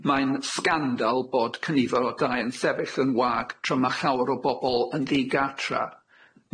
Mae'n sgandyl bod cynifer o dau yn sefyll yn wag tra ma' llawer o bobol yn ddigartra.